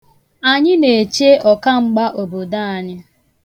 Anyị na-eche ọkamgba obodo anyị.